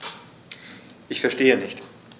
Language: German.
Ich verstehe nicht.